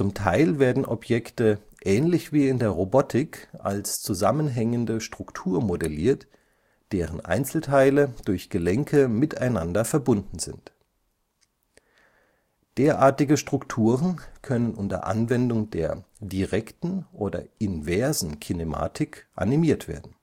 Teil werden Objekte ähnlich wie in der Robotik als zusammenhängende Struktur modelliert, deren Einzelteile durch Gelenke miteinander verbunden sind. Derartige Strukturen können unter Anwendung der direkten oder inversen Kinematik animiert werden